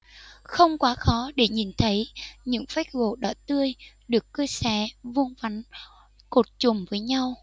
không quá khó để nhìn thấy những phách gỗ đỏ tươi được cưa xẻ vuông vắn cột chùm với nhau